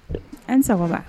An sago